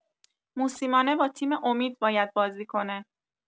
موسیمانه با تیم امید باید بازی کنه!